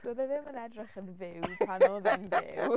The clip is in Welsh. Doedd e ddim yn edrych yn fyw pan oedd e'n fyw.